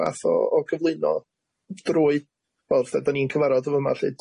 fath o o gyflwyno drwy fel 'tha 'dan ni'n cyfarfod fa' 'ma 'lly